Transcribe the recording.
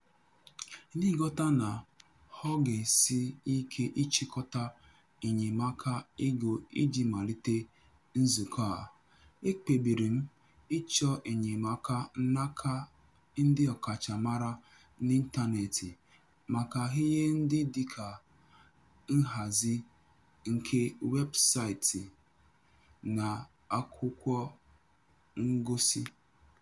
N'ịghọta na ọ ga-esi ike ịchịkọta enyemaaka ego iji malite nzukọ a, e kpebiri m ịchọ enyemaka n'aka ndị ọkachamara n'ịntanetị maka ihe ndị dịka nhazị nke weebụsaịtị na akwụkwọngosi.